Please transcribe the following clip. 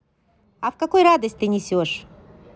а в какой радость ты несешь